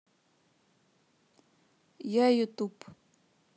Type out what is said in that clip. я ютуб